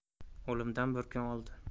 o'limidan bir kun oldin